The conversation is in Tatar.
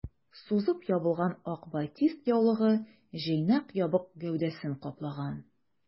Сузып ябылган ак батист яулыгы җыйнак ябык гәүдәсен каплаган.